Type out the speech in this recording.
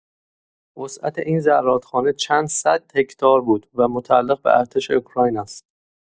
وسعت این زرادخانه چند صد هکتار بوده و متعلق به ارتش اوکراین است.